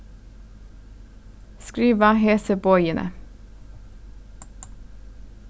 skriva hesi boðini